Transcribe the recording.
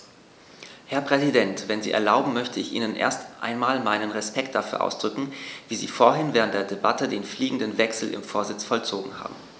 Herr Präsident, wenn Sie erlauben, möchte ich Ihnen erst einmal meinen Respekt dafür ausdrücken, wie Sie vorhin während der Debatte den fliegenden Wechsel im Vorsitz vollzogen haben.